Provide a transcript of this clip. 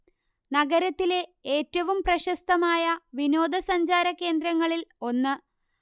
നഗരത്തിലെ ഏറ്റവും പ്രശസ്തമായ വിനോദസഞ്ചാര കേന്ദ്രങ്ങളിൽ ഒന്ന്